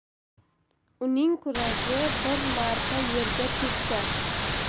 uning kuragi bir marta yerga tekkan